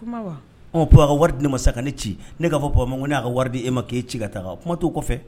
Kuama wa, ɔ , Papa ka wari di ne ma sisan ka ne ci, ne k'a fɔ Papa ma ko ne ye wari di e ma k'e ci ka taa kuma t'o kɔfɛ.